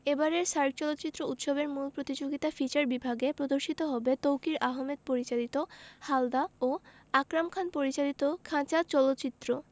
এবারের সার্ক চলচ্চিত্র উৎসবের মূল প্রতিযোগিতা ফিচার বিভাগে প্রদর্শিত হবে তৌকীর আহমেদ পরিচালিত হালদা ও আকরাম খান পরিচালিত খাঁচা চলচ্চিত্র